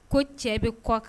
Ko cɛ bɛ kɔ